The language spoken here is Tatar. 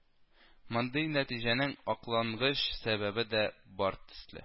Мондый нәтиҗәнең аклангыч сәбәбе дә бар төсле